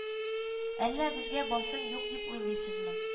Әллә безгә басым юк дип уйлыйсызмы